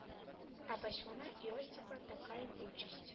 А бачмана иостигла такая участь